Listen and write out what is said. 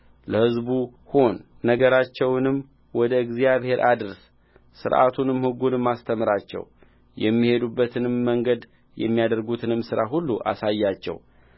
ለሕዝቡ ሁን ነገራቸውንም ወደ እግዚአብሔር አድርስ ሥርዓቱንም ሕጉንም አስተምራቸው የሚሄዱበትን መንገድ የሚያደርጉትንም ሥራ ሁሉ አሳያቸው